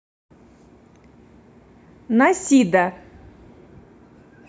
на сида